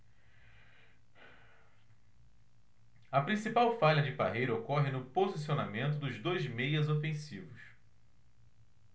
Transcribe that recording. a principal falha de parreira ocorre no posicionamento dos dois meias ofensivos